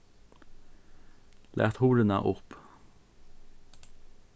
lat hurðina upp